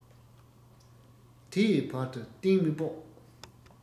དེ ཡི བར དུ གཏིང མི དཔོགས